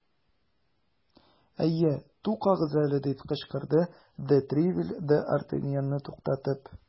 Әйе, тукагыз әле! - дип кычкырды де Тревиль, д ’ Артаньянны туктатып.